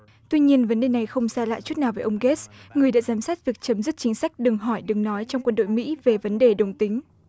tuy nhiên vấn đề này không xa lạ chút nào với ông gết người đã giám sát việc chấm dứt chính sách đừng hỏi đừng nói trong quân đội mỹ về vấn đề đồng tính